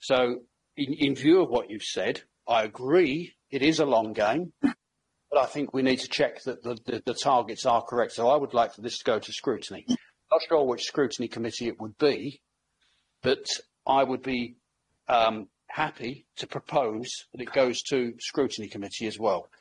So, in view of what you've said, I agree, it is a long game, but I think we need to check that the targets are correct, so I would like for this to go to scrutiny. Not sure which scrutiny committee it would be, but I would be happy to propose that it goes to scrutiny committee as well.